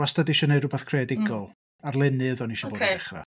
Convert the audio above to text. Wastad isio wneud rywbeth creadigol... mm. ...arlunydd o'n i isio bod... ocê. ...i ddechrau.